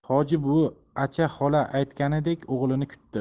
hoji buvi acha xola aytganidek o'g'lini kutdi